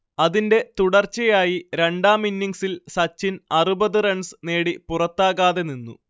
അതിന്റെ തുടർച്ചയായി രണ്ടാം ഇന്നിംങ്സിൽ സച്ചിൻ അറുപത് റൺസ് നേടി പുറത്താകാതെനിന്നു